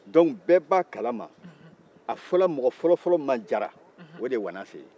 o la bɛɛ b'a kalama a fɔra mɔgɔ fɔlɔ-fɔlɔ min ma jara o de ye wanase ye